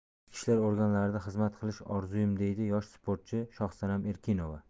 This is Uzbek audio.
ichki ishlar organlarida xizmat qilish orzum deydi yosh sportchi shohsanam erkinova